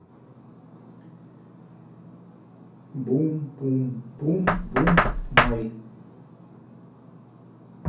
boom boom boom boom my